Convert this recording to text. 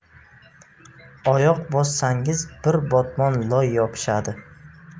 oyoq bossangiz bir botmon loy yopishadi